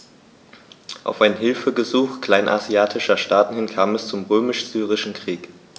Auf ein Hilfegesuch kleinasiatischer Staaten hin kam es zum Römisch-Syrischen Krieg.